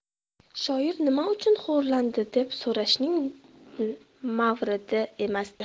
shoir nima uchun xo'rlandi deb so'rashning mavridi emasdi